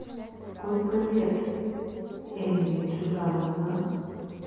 сколько лет эмили джигановна